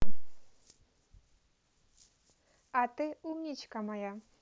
а ты умничка моя